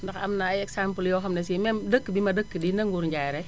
ndax am na ay exemples yoo xam ne si même dëkk bi ma dëkk Nangur njayre